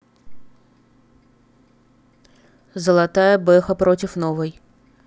золотая бэха против новой